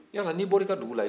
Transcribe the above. yɔrɔ n'i bɔr'i ka dugu la